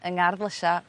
...yng ngardd lysia...